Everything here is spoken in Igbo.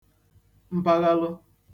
mpaghalụ